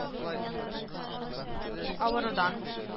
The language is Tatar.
Авырудан